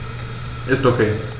Ist OK.